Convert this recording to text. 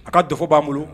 A ka dɔ b'an bolo